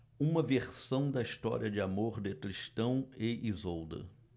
uma versão da história de amor de tristão e isolda